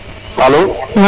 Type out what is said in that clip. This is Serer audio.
alo